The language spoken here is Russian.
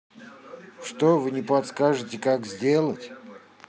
что вы не подскажите как сделать